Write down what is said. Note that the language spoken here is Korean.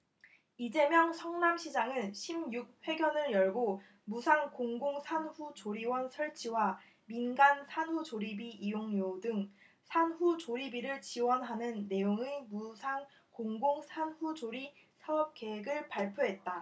이재명 성남시장은 십 육 회견을 열고 무상 공공산후조리원 설치와 민간 산후조리비 이용료 등 산후조리비를 지원하는 내용의 무상 공공산후조리 사업계획을 발표했다